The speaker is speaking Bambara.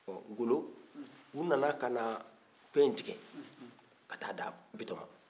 ngolo u nana ka na fɛn tigɛ ka taa a di bitɔn ma